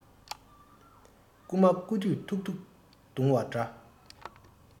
རྐུན མ རྐུ དུས ཐུག ཐུག རྡུང བ འདྲ